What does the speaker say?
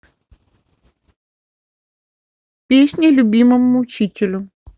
песня любимому учителю